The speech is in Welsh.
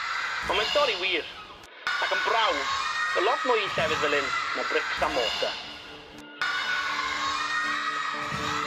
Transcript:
On mae stori wir ac yn brawf bo' lot mwy i llefydd fel 'yn na brics a mortar.